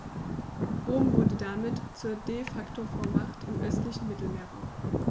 Rom wurde damit zur ‚De-Facto-Vormacht‘ im östlichen Mittelmeerraum.